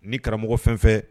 Ni karamɔgɔ fɛn fɛ